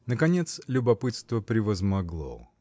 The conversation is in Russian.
Наконец любопытство превозмогло.